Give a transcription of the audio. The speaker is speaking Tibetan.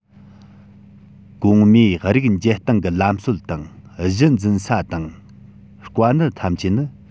གོང སྨྲས རིགས འབྱེད སྟེང གི ལམ སྲོལ དང གཞི འཛིན ས དང དཀའ གནད ཐམས ཅད ནི